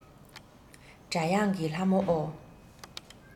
སྒྲ དབྱངས ཀྱི ལྷ མོ ཨོ